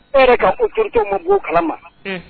E yɛrɛ ka ko terikɛtɔw ma' kala ma